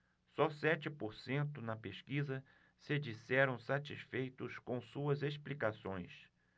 só sete por cento na pesquisa se disseram satisfeitos com suas explicações